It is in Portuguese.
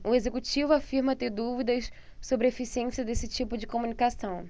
o executivo afirma ter dúvidas sobre a eficiência desse tipo de comunicação